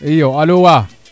iyo alo wa